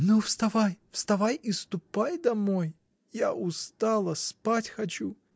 — Ну, вставай, вставай и ступай домой! Я устала, спать хочу.